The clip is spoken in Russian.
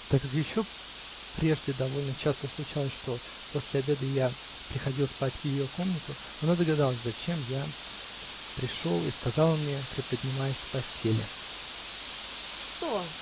Так как еще прежде довольно часто случалось, что после обеда я приходил спать в ее комнату, Она догадалась, зачем я пришел, и сказала мне, приподнимаясь с постели: -- Что?